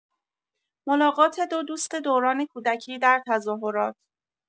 ملاقات دو دوست دوران کودکی در تظاهرات